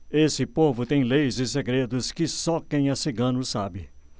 esse povo tem leis e segredos que só quem é cigano sabe